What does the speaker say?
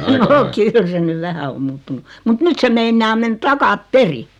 no kyllä se nyt vähän on muuttunut mutta nyt se meinaa mennä takaperin